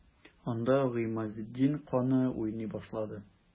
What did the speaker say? Анда Гыймазетдин каны уйный башлады.